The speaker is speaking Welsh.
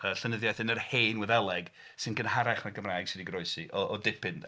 Llenyddiaeth yn yr hen wyddeleg sy'n gynharach 'na Gymraeg sydd wedi goroesi o... o dipyn 'de